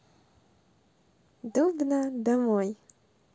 дубна домой